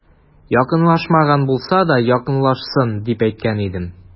Якынлашмаган булса да, якынлашсын, дип әйткән идем.